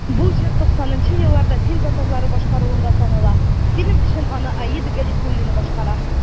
Бу җыр 90 нчы елларда фин татарлары башкаруында таныла, фильм өчен аны Аида Гарифуллина башкара.